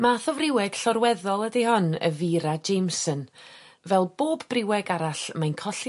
Math o Friweg llorweddol ydi hon y Vera Jameson fel bob Briweg arall mae'n colli